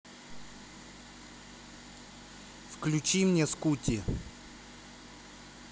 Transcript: включи мне скути